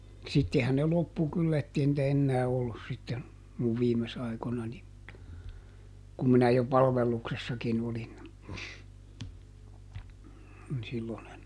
sittenhän ne loppui kyllä että ei niitä enää ollut sitten minun viime aikoinani kun minä jo palveluksessakin olin niin silloin en